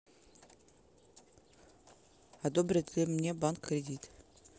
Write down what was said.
одобрит ли мне банк кредит